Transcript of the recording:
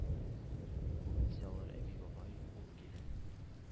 Бүген исә алар әби-бабай, ул-килен,